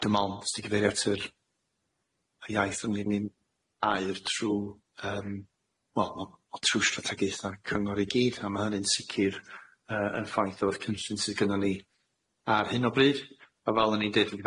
A dwi me'wl os ti gyfeiri at yr y iaith yn linin aur trw yym wel o o trw strategaeth a cyngor i gyd a ma' hynny'n sicir yy yn ffaith o fath cynllun sy gynnon ni ar hyn o bryd a fel o'n i'n deud yn